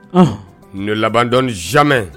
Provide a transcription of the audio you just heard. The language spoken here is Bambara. Ne labandɔ zimɛ